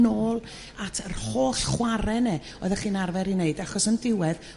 nôl at yr holl chwar'e 'n'e oeddach chi'n arfer 'i neud achos yn diwedd